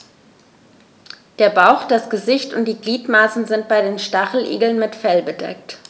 Der Bauch, das Gesicht und die Gliedmaßen sind bei den Stacheligeln mit Fell bedeckt.